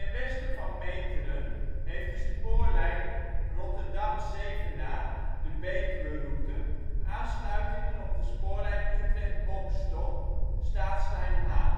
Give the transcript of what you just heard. westen van Meteren heeft de spoorlijn Rotterdam - Zevenaar (Betuweroute) aansluitingen op de spoorlijn Utrecht - Boxtel (Staatslijn H